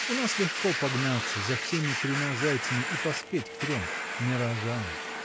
У нас легко погнаться за всеми тремя зайцами и поспеть к трем — миражам.